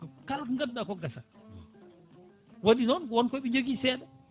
kala ko gadduɗa koko gasata waɗi noon wonkoɓe jogui seeɗa